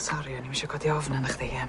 Sori o'n i'm isio codi ofn arna chdi yym.